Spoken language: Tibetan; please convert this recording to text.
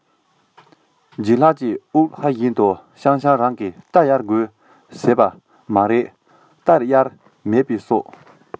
ལྗད ལགས ཀྱིས དབུགས ཧལ བཞིན དུ སྤྱང སྤྱང རང གིས རྟ གཡར དགོས ཟེར ལབ པ མ རེད པས རྟ གཡར ཡས མེད པའི སྲོག སྐྱེལ གྲབས བྱས སོང ཟེར བས